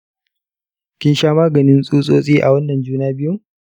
kin sha maganin tsutsotsi a wannan juna biyun?